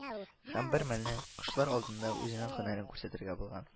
Һәм бермәлне ул кошлар алдында үзенең һөнәрен күрсәтергә булган